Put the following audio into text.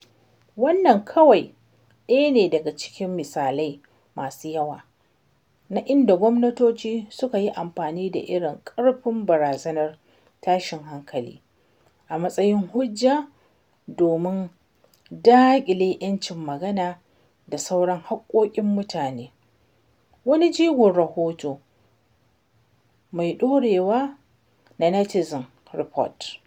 Wannan kawai ɗaya ne daga cikin misalai masu yawa na inda gwamnatoci suka yi amfani da irin ƙarfin barazanar tashin hankali, a matsayin hujja domin daƙile ‘yancin magana da sauran haƙƙoƙin mutane. Wani jigon rahoto mai ɗorewa ga Netizen Report .